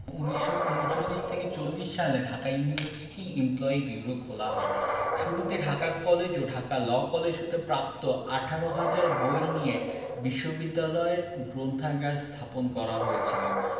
১৯৩৯ ৪০ সালে Dhaka university employee bureau খোলা হয় শুরুতে ঢাকা কলেজ ও ঢাকা ল কলেজ হতে প্রাপ্ত ১৮ হাজার বই নিয়ে বিশ্ববিদ্যালয় গ্রন্থাগার স্থাপন করা হয়েছিল